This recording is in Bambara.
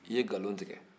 i ye nkalon tigɛ